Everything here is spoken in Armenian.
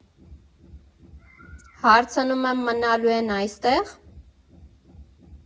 Հարցնում եմ՝ մնալո՞ւ են այստեղ։